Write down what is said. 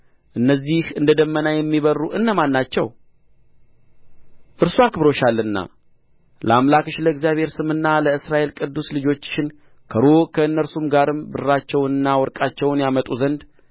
እነዚህ እንደ ደመና የሚበርሩ እነማን ናቸው እርሱ አክብሮሻልና ለአምላክሽ ለእግዚአብሔር ስምና ለእስራኤል ቅዱስ ልጆችሽን ከሩቅ ከእነርሱ ጋርም ብራቸውንና ወርቃቸውን ያመጡ ዘንድ